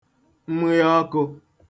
mmụịọkụ